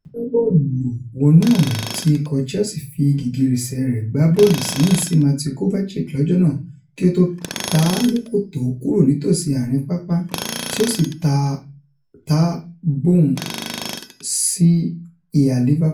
Agbábọ́ọ̀lùwọnú-àwọ̀n ti ikọ̀ Chealse fi gìgìrísẹ̀ rẹ̀ gbá bọ́ọ̀lu sẹ́yìn sí Mateo Kovacic lọ́jọ́ náà, kí ó tó ta á lóókòtó kúrò nítòsí ààrín pápá tí ó sì ta á bọ̀ùn sí ìhà Liverpool.